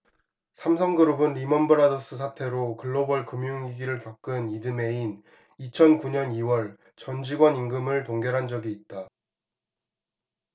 삼성그룹은 리먼브라더스 사태로 글로벌 금융위기를 겪은 이듬해인 이천 구 년 이 월 전 직원 임금을 동결한 적이 있다